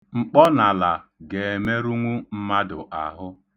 Mkpọnala ga-emerụnwu mmadụ ahụ.